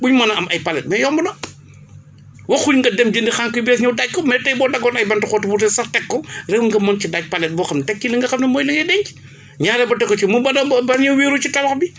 buén mën a am ay palettes mais yomb na waxuñ nga dem jëndi xànk yu bees ñëw daaj ko mais tey boo daggoon ay bantu xottu butéel sax teg ko di nga mën ci daaj palette boo xam teg ci li nga xam ni mooy li nga denc ñaareel ba dogoo ci mu bañ a wéeru ci tabax bi